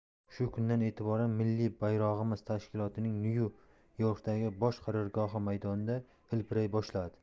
shu kundan e'tiboran milliy bayrog'imiz tashkilotning nuyu yorkdagi bosh qarorgohi maydonida hilpiray boshladi